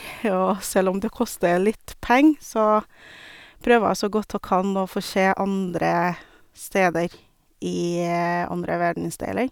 Og selv om det koster litt penger, så prøver jeg så godt jeg kan å få se andre steder i andre verdensdeler.